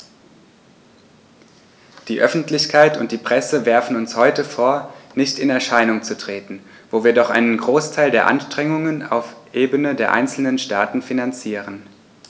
Die Öffentlichkeit und die Presse werfen uns heute vor, nicht in Erscheinung zu treten, wo wir doch einen Großteil der Anstrengungen auf Ebene der einzelnen Staaten finanzieren.